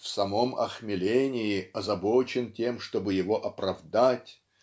в самом охмелении озабочен тем чтобы его оправдать